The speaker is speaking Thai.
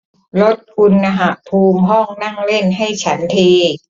ลดอุณหภูมิห้องนั่งเล่นให้ฉันที